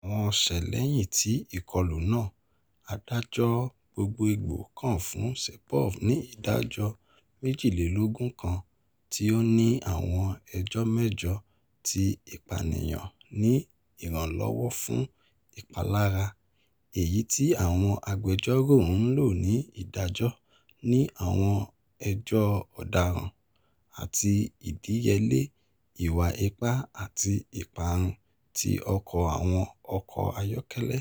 Àwọn ọ̀sẹ̀ lẹyìn ti ìkọlù náà, adájọ́ gbogboogbo kan fún Saipov ní ìdájọ́ 22 kan tí ó ní àwọn ẹjọ́ mẹjọ ti ìpànìyàn ní ìrànlọ́wọ́ fún ìpalára, èyí tí àwọn agbẹjọ́rò ń lò ni ìdájọ́ ní àwọn àjọ́ ọdaràn, àti ìdíyelé ìwà ìpá àti ìparun ti ọkọ àwọn ọkọ ayọ́kẹ́lẹ́.